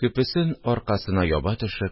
Көпесен аркасына яба төшеп